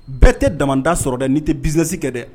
Bɛɛ tɛ danda sɔrɔ dɛ n'i tɛ binzsi kɛ dɛ